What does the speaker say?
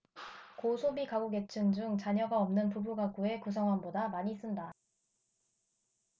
고소비가구계층 중 자녀가 없는 부부가구의 구성원보다 많이 쓴다